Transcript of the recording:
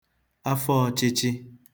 afọọ̄chị̄chị̄